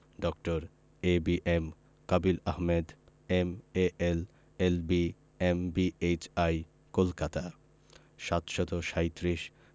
ডাঃ A B M Kabil Ahmed M A L L B M B H I Kolkata ৭৩৭